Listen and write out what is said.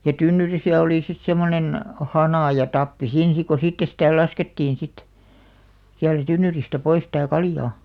ja tynnyrissä oli sitten semmoinen hana ja tappi siinä sitten kun sitten sitä laskettiin sitten sieltä tynnyristä pois sitä kaljaa